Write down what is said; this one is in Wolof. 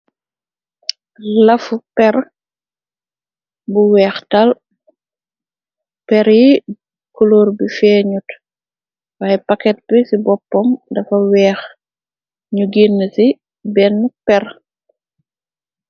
Lafu perr bu weex tal perr yi kuloor bi feeñut waaye paket bi ci boppoom dafa weex ñu ginn ci benne perr.